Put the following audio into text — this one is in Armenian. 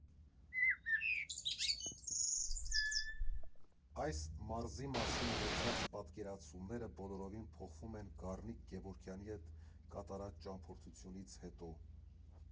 Այս մարզի մասին ունեցած պատկերացումները բոլորովին փոխվում են Գառնիկ Գևորգյանի հետ կատարած ճամփորդությունից հետո։